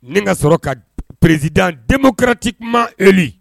Nin ka sɔrɔ ka peressid denmuso kɛrati kuma eli